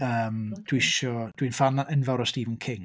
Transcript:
Yym dwi isio... Dwi'n ffan enfawr o Stephen King.